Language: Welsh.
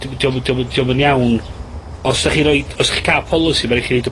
dim yn, 'di o'm yn 'di o'm yn 'di o'm yn iawn. Os 'dach chi roid, os chi ca'l polisi ma' rai' chi neud y